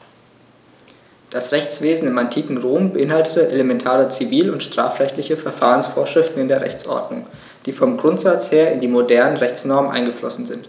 Das Rechtswesen im antiken Rom beinhaltete elementare zivil- und strafrechtliche Verfahrensvorschriften in der Rechtsordnung, die vom Grundsatz her in die modernen Rechtsnormen eingeflossen sind.